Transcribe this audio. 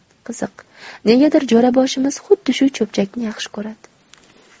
qiziq negadir jo'raboshimiz xuddi shu cho'pchakni yaxshi ko'radi